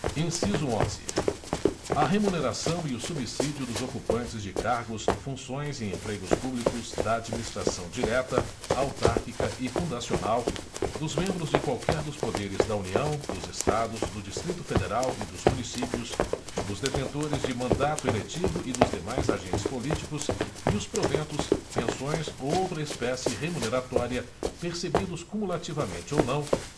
inciso onze a remuneração e o subsídio dos ocupantes de cargos funções e empregos públicos da administração direta autárquica e fundacional dos membros de qualquer dos poderes da união dos estados do distrito federal e dos municípios dos detentores de mandato eletivo e dos demais agentes políticos e os proventos pensões ou outra espécie remuneratória percebidos cumulativamente ou não